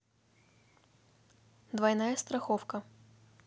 двойная страховка